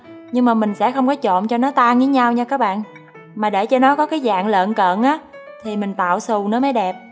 nhưng mà mình sẽ không có trộn cho nó tan với nhau nhe các bạn mà để cho nó có cái dạng lợn cợn á thì mình tạo xù nó mới đẹp